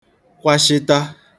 kwashita